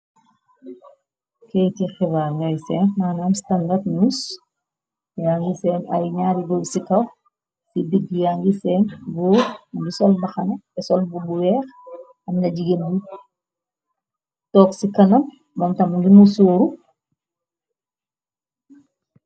Keyti xibar ngay seen manaam standart news ya ngi seen ay ñaari bur ci kaw ci dig. Ya ngi seen booxmngi sol baxane esol bu bu weex. Am na jigéen yi toog ci kanam bontam ngimu suuru.